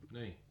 niin